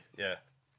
Ie.